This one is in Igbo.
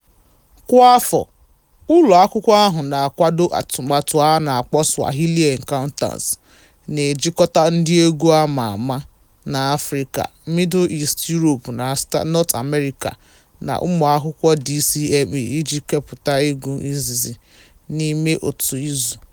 Kwa afọ, ụlọakwụkwọ ahụ na-akwado atụmatụ a na-akpọ "Swahili Encounters", na-ejikọta ndị egwu ama ama si Afịrịka, Middle East, Europe na North Amerika na ụmụakwụkwọ DCMA iji kepụta egwu keizizi n'ime otu izu.